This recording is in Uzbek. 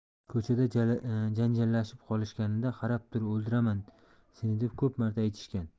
ko'chada janjallashib qolishganida qarab tur o'ldiraman seni deb ko'p marta aytishgan